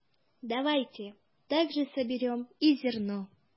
Әйдәгез, ашлыкны да шулай итеп җыйыйк!